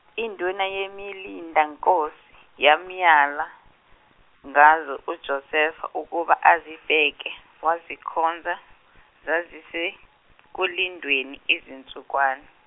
induna yemilindankosi yamyala ngazo uJosefa ukuba azibheke wazikhonza, zazisekulindweni izinsukwan-.